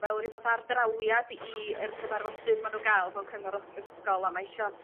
fel ryw bath o ardrawiad i yr cyfarfodydd ma nw ga'l mewn cyngor o- ysgol a ma' isio